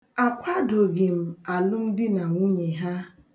Akwadoghị m alụmdinanwunye ha.